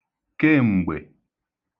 kem̀gbè